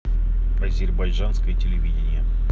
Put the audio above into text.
азербайджанское телевидение